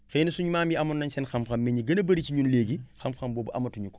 xëy na suñu maam yi amoon nañ seen xam-xam mais ñi gën a bëri si ñun léegi xam-xam boobu amatuñu ko